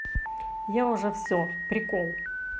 а уже все прикол